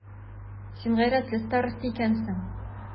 Син гайрәтле староста икәнсең.